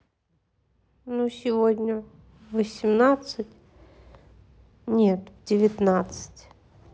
сегодня в восемнадцать нет в девятнадцать